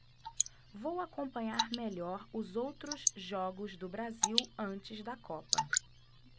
vou acompanhar melhor os outros jogos do brasil antes da copa